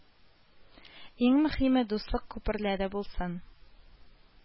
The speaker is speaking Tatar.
Иң мөһиме дуслык күперләре булсын